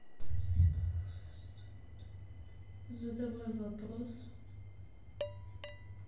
задавай вопрос